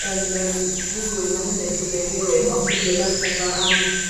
yn yym fwy na hynny tydi rili os ydi'r merched 'ma am